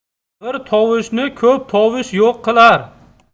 bir tovushni ko'p tovush yo'q qilar